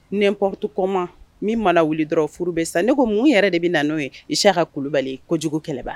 Npɔntuma min ma wili dɔrɔn furu bɛ sa ne ko mun yɛrɛ de bɛ na n' ye i se ka kulubali ko kojugu kɛlɛba